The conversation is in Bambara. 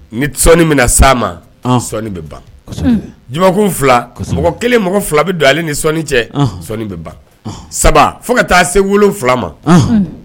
Ni sɔɔni min s ma sɔɔni bɛ ban jba fila mɔgɔ kelen mɔgɔ fila bɛ don ni sɔɔni cɛ bɛ ban saba fo ka taa se fila ma